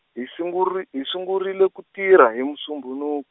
hi sunguri- hi sungurile ku tirha hi Musumbhunu-.